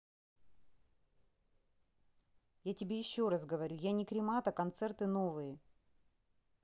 я тебе еще раз говорю я не каримата концерты новые